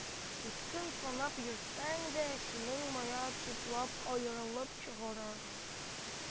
Үткен санап йөрсәң дә, синең мая туплап, аерылып чыгар